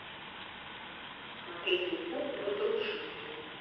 смотреть ютуб разрушители